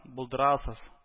Булдырасыз! –